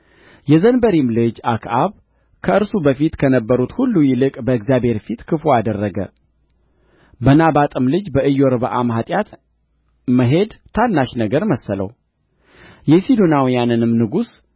የዘንበሪም ልጅ አክዓብ ከእርሱ በፊት ከነበሩት ሁሉ ይልቅ በእግዚአብሔር ፊት ክፉ አደረገ በናባጥም ልጅ በኢዮርብዓም ኃጢአት መሄድ ታናሽ ነገር መሰለው የሲዶናውያንንም ንጉሥ